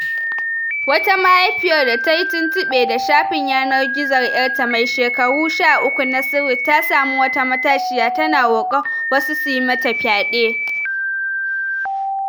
Wata mahaifiyar da ta yi tuntuɓe da shafin yanar gizon 'yarta mai shekaru 13 na sirri ta sami wata matashiya tana roƙon wasu su "yi mata fyade.”